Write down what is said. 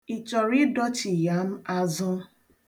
Ị chọrọ ịdọchigha m azụ?